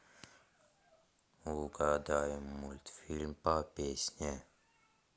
угадай мультфильм по песне